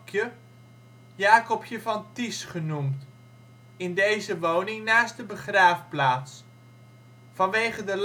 Jacobje van Ties) genoemd, in deze woning naast de begraafplaats (vanwege de